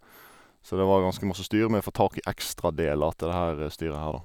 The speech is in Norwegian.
Så det var ganske masse styr med å få tak i ekstradeler til det her styret her, da.